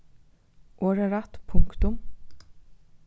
orðarætt punktum